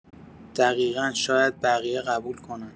دقیقا شاید بقیه قبول کنن.